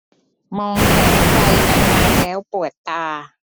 มองแสงไฟนานนานแล้วปวดตา